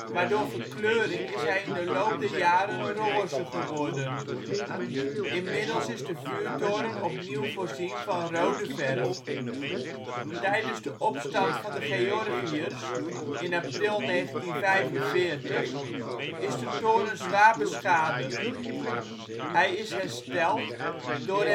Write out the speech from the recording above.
maar door verkleuring is hij in de loop der jaren roze geworden. Inmiddels is de vuurtoren opnieuw voorzien van rode verf. Tijdens de opstand van de Georgiërs in april 1945 is de toren zwaar beschadigd. Hij is hersteld door